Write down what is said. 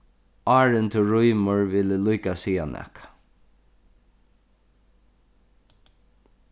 áðrenn tú rýmir vil eg líka siga nakað